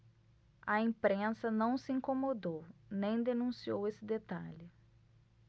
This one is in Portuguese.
a imprensa não se incomodou nem denunciou esse detalhe